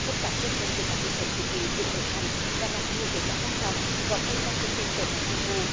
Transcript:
công tác dân vận của cả hệ thống chính trị được đẩy mạnh và đạt nhiều kết quả quan trọng góp phần vào thực hiện tốt các nhiệm vụ